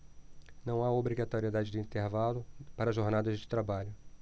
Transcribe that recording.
não há obrigatoriedade de intervalo para jornadas de trabalho